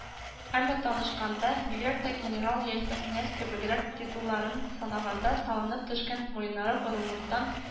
Әмма танышканда, бигрәк тә «генерал» яисә «князь» кебегрәк титулларын санаганда, салынып төшкән муеннары горурлыктан